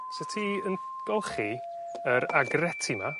Sa ti yn golchi yr agretti 'ma